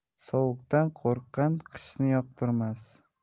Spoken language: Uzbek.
sovuqdan qo'rqqan qishni yoqtirmas